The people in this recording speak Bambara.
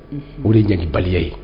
Unhun o de ye jɛŋɛbaliya ye